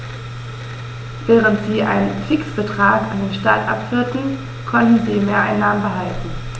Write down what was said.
Während sie einen Fixbetrag an den Staat abführten, konnten sie Mehreinnahmen behalten.